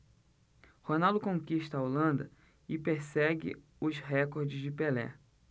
ronaldo conquista a holanda e persegue os recordes de pelé